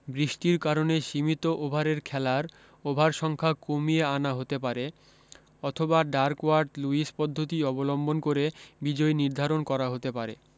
বৃষ্টির কারণে সীমিত ওভারের খেলার ওভার সংখ্যা কমিয়ে আনা হতে পারে অথবা ডার্কওয়ার্থ লুইস পদ্ধতি অবলম্বন করে বিজয়ী নির্ধারন করা হতে পারে